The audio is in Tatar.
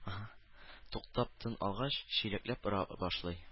Туктап тын алгач, чиләкләп ора башлый